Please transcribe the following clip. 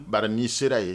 Ba n'i sera yen